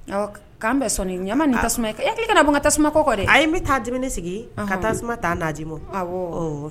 Ɔ k'an bɛ sɔn ɲama ma ni tasuma e k'i kana n ka tasuma kɔ dɛ a ye n bɛ taa sigi ka tasuma'a naaji ma